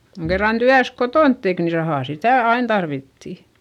kun kerran työnsä kotona teki niin rahaa sitä aina tarvittiin